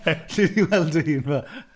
Alli di weld dy hun fel 'a?